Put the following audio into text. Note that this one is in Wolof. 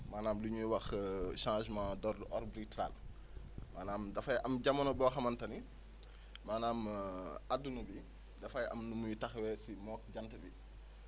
maanaamlu ñuy wax chnagement d' ordre obitral maanaam dafay am jamono boo xamante ne maanaam adduna bi dafay am nu muy taxawee fii moog jant bi